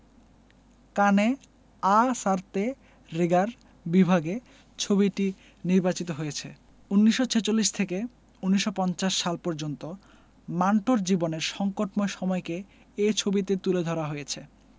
কানে Un Certain Regard বিভাগে ছবিটি নির্বাচিত হয়েছে ১৯৪৬ থেকে ১৯৫০ সাল পর্যন্ত মান্টোর জীবনের সংকটময় সময়কে এ ছবিতে তুলে ধরা হয়েছে